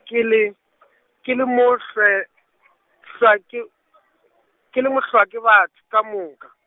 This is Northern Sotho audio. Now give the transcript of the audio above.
ke le, ke le mohlwe- , hlwa ke , ke le mohlwa ke batho ka moka.